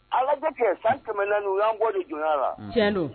Ala kɛ san kɛmɛɛna u y'an bɔ de joona la tiɲɛ don